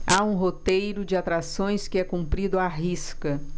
há um roteiro de atrações que é cumprido à risca